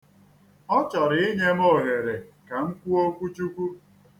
Ọ chọrọ inye m ohere ka m kwuo okwu Chukwu.